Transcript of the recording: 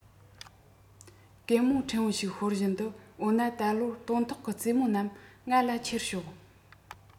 གད མོ ཕྲན བུ ཞིག ཤོར བཞིན དུ འོ ན ད ལོར སྟོན ཐོག གི ཙེ མོ རྣམས ང ལ ཁྱེར ཤོག